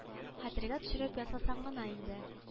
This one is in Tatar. Хәтергә төшереп ясасаң гына инде